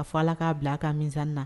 A fɔ ala k'a bila a ka misanniina